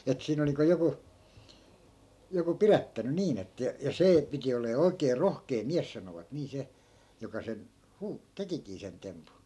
että siinä oli niin kuin joku joku pidättänyt niin että ja ja se piti olemaan oikein rohkea mies sanoivat niin se joka sen - tekikin sen tempun